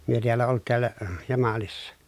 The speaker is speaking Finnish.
me täällä oltiin täällä Jamalissa